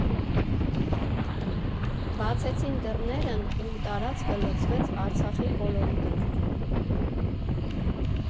Բացեցին դռներն ու տարածքը լցվեց Արցախի կոլորիտով։